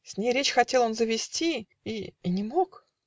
С ней речь хотел он завести И - и не мог.